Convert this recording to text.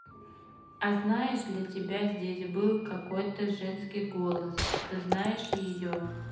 а знаешь для тебя здесь был какой то женский голос ты знаешь ее